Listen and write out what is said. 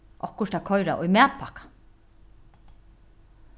okkurt at koyra í matpakkan